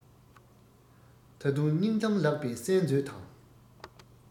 ད དུང སྙིང གཏམ ལགས པས གསན མཛོད དང